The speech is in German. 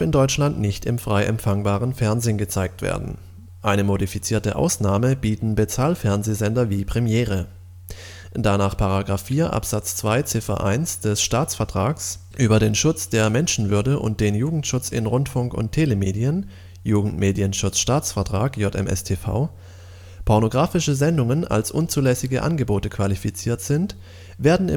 Deutschland nicht im frei empfangbaren Fernsehen gezeigt werden. Eine modifizierte Ausnahme bieten Bezahlfernsehsender wie Premiere. Da nach § 4 Abs. 2 Ziff. 1 des Staatsvertrags über den Schutz der Menschenwürde und den Jugendschutz in Rundfunk und Telemedien (Jugendmedienschutz-Staatsvertrag JMStV) pornografische Sendungen als unzulässige Angebote qualifiziert sind, werden